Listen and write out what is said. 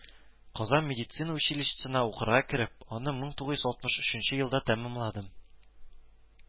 Казан медицина училищесына укырга кереп, аны мең тугыз йөз алтмыш өченче елда тәмамладым